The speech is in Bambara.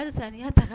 Ya